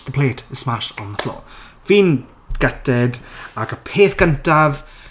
The plate is smasied on the floor. Fi'n gutted ac y peth gyntaf...